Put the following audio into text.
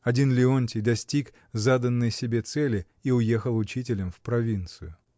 Один Леонтий достиг заданной себе цели и уехал учителем в провинцию.